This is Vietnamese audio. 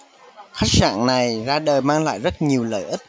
khách sạn này ra đời mang lại rất nhiều lợi ích